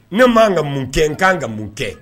Ne m'an ka mun kɛ n k'an ka mun kɛ